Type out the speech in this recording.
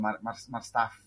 ma' ma' ma'r staff